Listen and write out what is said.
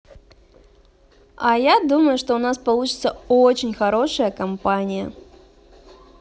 я думаю что у нас получится очень хорошая компания